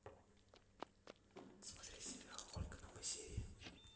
смотреть сериал ольга новые серии